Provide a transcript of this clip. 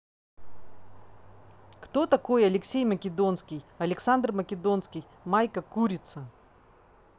кто такой алексей македонский александр македонский майка курица